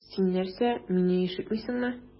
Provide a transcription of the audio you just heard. Син нәрсә, мине ишетмисеңме?